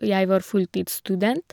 Jeg var fulltidsstudent.